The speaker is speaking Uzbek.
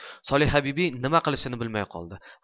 solihabibi nima qilishini bilmay qoldi